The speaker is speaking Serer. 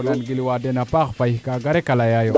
ko nan gilwa den a paax koy Faye kaaga rek a leya yo